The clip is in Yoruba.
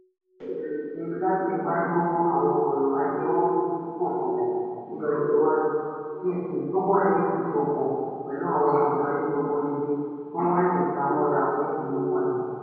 Mo ní ìrètí láti gbájú mọ́ àwọn ọ̀rọ̀ ajẹmọ́-ìṣípòpadà ní ọjọ́ iwájú kí n sì túbọ̀ ní ìsopọ̀ pẹ̀lú àwọn ọ̀dọ́ ní gbogbo ibi kí wọ́n lè ta mọ́ra fún ìyípadà.